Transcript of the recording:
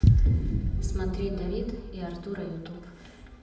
смотреть давид и артура ютуб